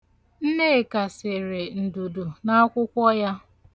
Nneka sere ndudu n'akwụkwọ ya.